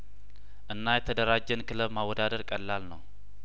እና የተደራጀን ክለብ ማወዳደር ቀላል ነው